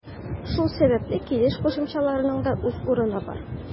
Шул сәбәпле килеш кушымчаларының да үз урыны бар.